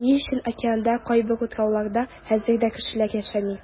Ни өчен океанда кайбер утрауларда хәзер дә кешеләр яшәми?